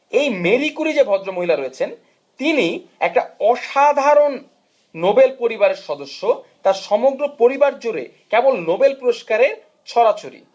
এ Marie Curie যে ভদ্র মহিলা রয়েছেন তিনি একটা অসাধারণ নোবেল পরিবারের সদস্য তার সমগ্র পরিবার জুড়ে কেবল নোবেল পুরস্কারের ছড়াছড়ি